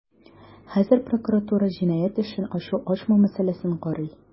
Хәзер прокуратура җинаять эшен ачу-ачмау мәсьәләсен карый.